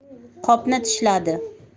qopni tishladi